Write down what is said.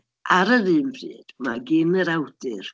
Ar yr un pryd, mae gan yr awdur....